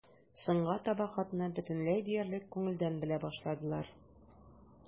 Соңга таба хатны бөтенләй диярлек күңелдән белә башладылар.